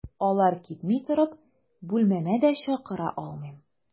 Алар китми торып, бүлмәмә дә чакыра алмыйм.